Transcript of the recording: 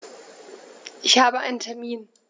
Ich habe einen Termin.